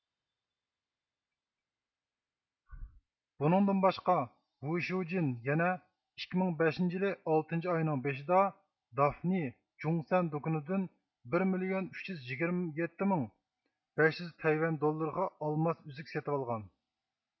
بۇنىڭدىن باشقا ۋۇشيۇجېن يەنە ئىككىمىڭ بەشىنچى يىلى ئالتىنچى ئاينىڭ بېشىدا دافنىي جۇڭسەن دۇكىنىدىن بىر مىليون ئۈچ يۈز يىگىرمە يەتتە مىڭ بەش يۈز تەيۋەن دوللىرىغا ئالماس ئۈزۈك سېتىۋالغان